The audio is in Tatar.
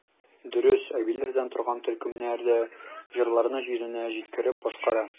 Дөрес, әбиләрдән торган төркемнәр дә җырларны җиренә җиткереп башкара.